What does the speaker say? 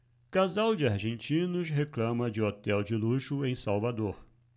casal de argentinos reclama de hotel de luxo em salvador